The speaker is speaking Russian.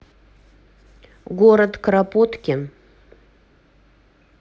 город кропоткин